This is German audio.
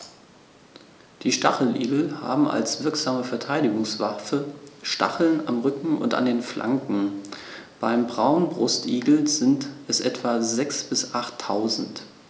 Die Stacheligel haben als wirksame Verteidigungswaffe Stacheln am Rücken und an den Flanken (beim Braunbrustigel sind es etwa sechs- bis achttausend).